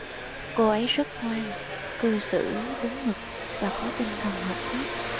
cô ấy rất ngoan cư xử đúng mực và có tinh thần hợp tác